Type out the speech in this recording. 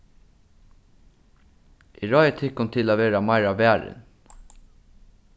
eg ráði tykkum til at vera meira varin